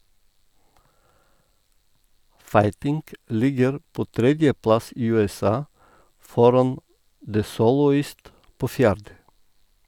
"Fighting" ligger på tredjeplass i USA, foran "The Soloist" på fjerde.